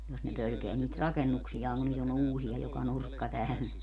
jos ne pelkää niitä rakennuksiaan kun nyt on uusia joka nurkka täynnä